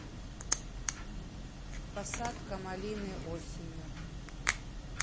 посадка малины осенью